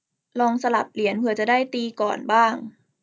ลองสลับเหรียญเผื่อจะได้ตีก่อนบ้าง